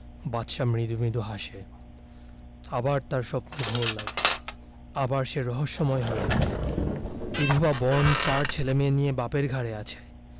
বাদশা মৃদু মৃদু হাসে আবার তার স্বপ্নের ঘোর লাগে আবার সে রহস্যময় হয়ে উঠে বিধবা বোন চার ছেলেমেয়ে নিয়ে বাপের ঘাড়ে আছে